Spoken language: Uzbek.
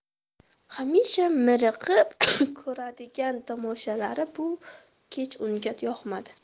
hamisha miriqib ko'radigan tomoshalari bu kech unga yoqmadi